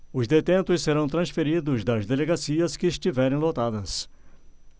os detentos serão transferidos das delegacias que estiverem lotadas